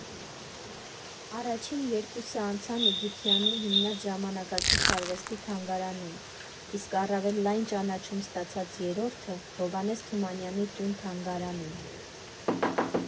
Առաջին երկուսը անցան Իգիթյանի հիմնած Ժամանակակից արվեստի թանգարանում, իսկ առավել լայն ճանաչում ստացած երրորդը՝ Հովհաննես Թումանյանի տուն֊թանգարանում։